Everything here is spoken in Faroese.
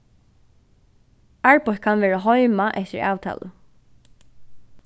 arbeitt kann verða heima eftir avtalu